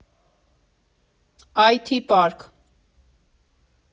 Այ Թի Պարկը։